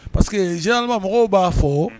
Parceseke que zba mɔgɔw b'a fɔ